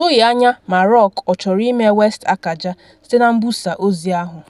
O doghị anya ma Rock ọ chọrọ ime West akaja site na mbusa ozi ahụ.